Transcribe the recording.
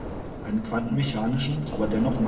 quantenmechanischen aber dennoch